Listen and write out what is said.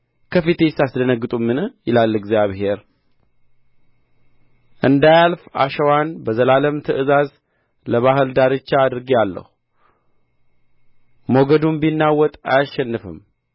ከፊቴስ አትደነግጡምን ይላል እግዚአብሔር እንዳያልፍ አሸዋን በዘላለም ትእዛዝ ለባሕር ዳርቻ አድርጌአለሁ ሞገዱም ቢናወጥ አያሸንፍም